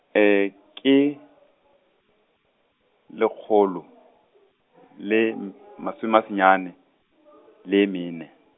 ke, legolo, le m- masome senyane, le ye mene.